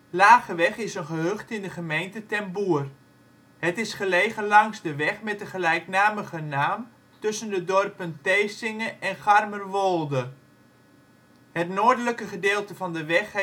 Lageweg is een gehucht in de gemeente Ten Boer. Het is gelegen langs de weg met de gelijknamige naam tussen de dorpen Thesinge en Garmerwolde. Het noordelijke gedeelte van de weg